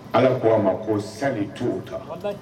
Ala ko' a ma ko sa tu ta